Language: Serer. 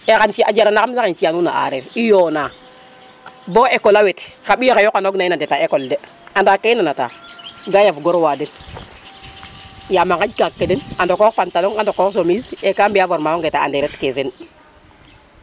e xam ci a jara naxam xax um ciya nuuna areeri yona bo école a wet xa ɓiya xe yoqano gina in a ndeta école de anda ke i nana ta ga yaf goor we den yama ŋaƴ kak ke den a ndoqox pantalon a ndoqox chemise e ka mbiya formation to ande ret ke sen